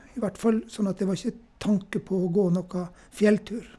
I hvert fall sånn at det var ikke tanke på å gå noen fjelltur.